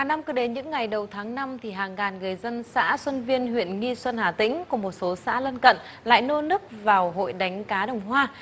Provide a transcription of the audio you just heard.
năm cứ đến những ngày đầu tháng năm thì hàng ngàn người dân xã xuân viên huyện nghi xuân hà tĩnh của một số xã lân cận lại nô nức vào hội đánh cá đồng hoa